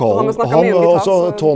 no har me snakka mykje om gitar så.